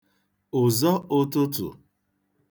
ụ̀zọụ̄tụ̄tụ̀